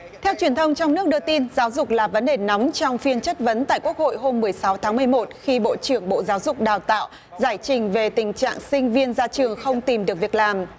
theo truyền thông trong nước đưa tin giáo dục là vấn đề nóng trong phiên chất vấn tại quốc hội hôm mười sáu tháng mười một khi bộ trưởng bộ giáo dục đào tạo giải trình về tình trạng sinh viên ra trường không tìm được việc làm